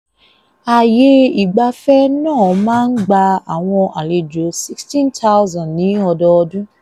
Ààyè ìgbafẹ́ náà máa ń gba àwọn àlejò 16,000 ní ọdọọdún.